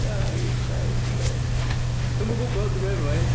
Oh Christ... Dwi'm yn gwbod, dwi'm efo un...